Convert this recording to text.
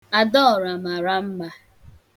Adaọra mara mma.